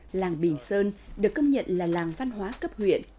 làng bình sơn được công nhận là làng văn hóa cấp huyện